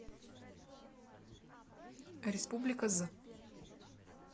республика з